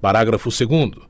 parágrafo segundo